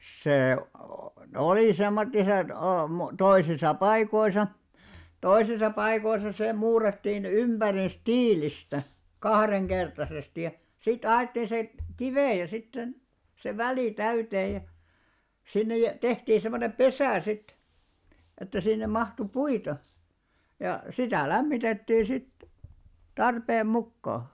se oli semmoiset - toisissa paikoissa toisissa paikoissa se muurattiin ympäriinsä tiilistä kaksinkertaisesti ja sitten alettiin se kiviä sitten se se väli täyteen ja sinne ja tehtiin semmoinen pesä sitten että sinne mahtui puita ja sitä lämmitettiin sitten tarpeen mukaan